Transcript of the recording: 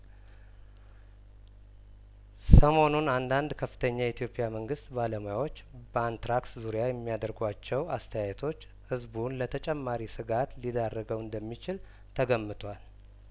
ሰሞኑን አንዳንድ ከፍተኛ የኢትዮጵያ መንግስት ባለሙያዎች በአንትራክስ ዙሪያ የሚያድርጉዋቸው አስተያየቶች ህዝቡን ለተጨማሪ ስጋት ሊዳርገው እንደሚችል ተገምቷል